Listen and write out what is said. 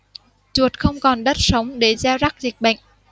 chuột không còn đất sống để gieo rắc dịch bệnh